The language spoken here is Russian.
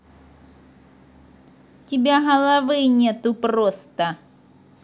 тебя головы нету просто